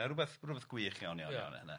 Yy rywbeth rywbeth gwych iawn iawn iawn am hynna.